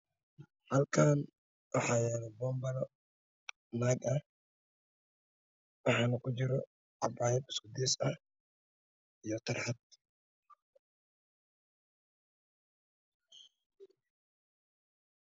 Halkaan waxaa yalo bombalo naag ah waxaana ku jiro cabaayad isku deys ah oyo tarxad